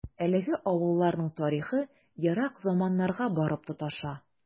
Әлеге авылларның тарихы ерак заманнарга барып тоташа.